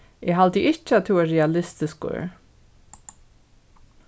eg haldi ikki at tú er realistiskur